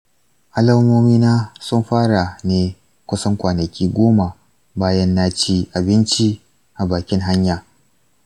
alamomina sun fara ne kusan kwanaki goma bayan na ci abinci a bakin hanya.